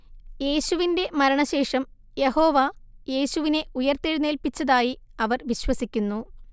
യേശുവിന്റെ മരണശേഷം യഹോവ യേശുവിനെ ഉയർത്തെഴുന്നേൽപ്പിച്ചതായി അവർ വിശ്വസിക്കുന്നു